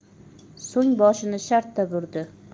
so'ng boshini shartta burdi